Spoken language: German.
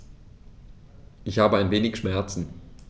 Ich habe ein wenig Schmerzen.